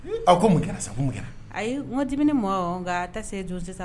Aw ko mun kɛra sago mun kɛra ayi kɔn di mɔgɔ nka tɛ se don sisan